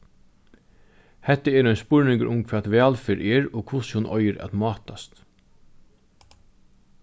hetta er ein spurningur um hvat vælferð er og hvussu hon eigur at mátast